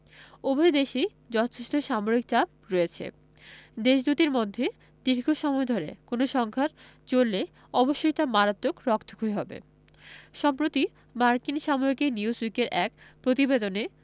উভয় দেশেই যথেষ্ট সামরিক চাপ রয়েছে দেশ দুটির মধ্যে দীর্ঘ সময় ধরে কোনো সংঘাত চললে অবশ্যই তা মারাত্মক রক্তক্ষয়ী হবে সম্প্রতি মার্কিন সাময়িকী নিউজউইকের এক প্রতিবেদনে